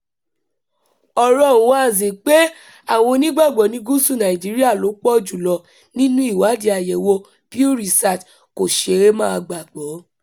Ọ̀rọ̀ọ Nwanze pé àwọn Onígbàgbọ́ ní gúúsù Nàìjíríà ló pọ̀ jù lọ nínú ìwádìí àyẹ̀wò Pew Research kò ṣe é má gbàgbọ́.